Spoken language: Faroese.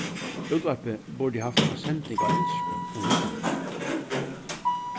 útvarpið burdi havt eina sending á enskum um vikuna